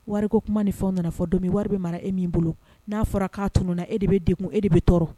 Wari ko kuma ni fɛn nana fɔ don min wari bɛ mara e min bolo n'a fɔra k'a tunun na e de bɛ de kun e de bɛ tɔɔrɔ